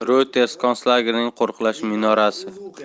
reuters konslagerning qo'riqlash minorasi